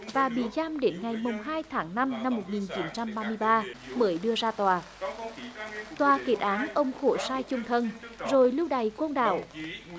và bị giam đến ngày mùng hai tháng năm năm một nghìn chín trăm ba mươi ba mới đưa ra tòa tòa kết án ông khổ sai chung thân rồi lưu đày côn đảo